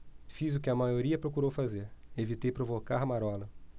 fiz o que a maioria procurou fazer evitei provocar marola